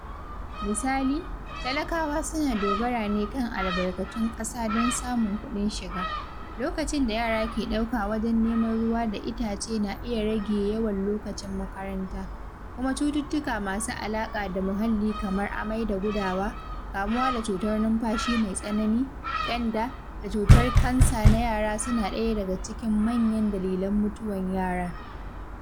Misali, talakawa suna dogara ne kan albarkatun ƙasa don samun kuɗin shiga; lokacin da yara ke ɗauka wajen neman ruwa da itace na iya rage yawan lokacin makaranta; kuma cututtuka masu alaƙa da muhalli kamar amai da gudawa, kamuwa da cutar numfashi mai tsanani, ƙyanda, da cutar kansa na yara suna daga cikin manyan dalilan mutuwar yara.